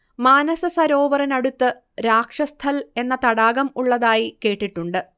മാനസസരോവറിന് അടുത്ത് രാക്ഷസ്ഥൽ എന്ന തടാകം ഉളളതായി കേട്ടിട്ടുണ്ട്